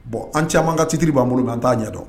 Bɔn an caman ka citiriri b'an bolo bɛ an t'a ɲɛ dɔn